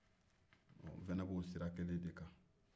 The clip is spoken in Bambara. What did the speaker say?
n fana b'o sira kelen de kan